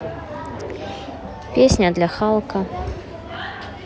песня для халка